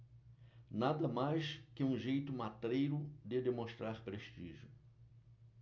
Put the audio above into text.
nada mais que um jeito matreiro de demonstrar prestígio